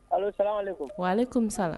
Alo salamuhalekum ? Waleykoum salam